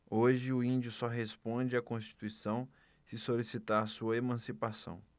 hoje o índio só responde à constituição se solicitar sua emancipação